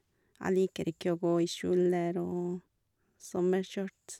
Jeg liker ikke å gå i kjoler og sommerskjørt.